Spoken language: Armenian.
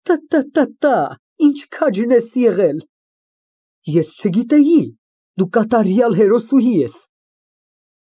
Տա֊տա, տա֊տա, ինչ քաջն ես եղել։ Ես չգիտեի, դու կատարյալ հերոսուհի ես։